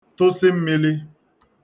tụsị m̄mīlī